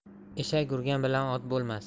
eshak urgan bilan ot bo'lmas